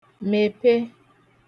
mèpe